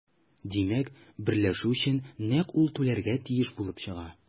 Димәк, берләшү өчен нәкъ ул түләргә тиеш булып чыга.